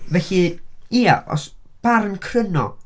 Felly, ia, os... barn cryno.